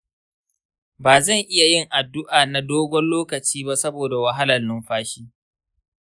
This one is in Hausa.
ba zan iya yin addu’a na dogon lokaci ba saboda wahalar numfashi.